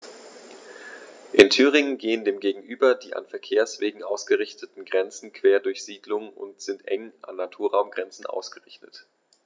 In Thüringen gehen dem gegenüber die an Verkehrswegen ausgerichteten Grenzen quer durch Siedlungen und sind eng an Naturraumgrenzen ausgerichtet.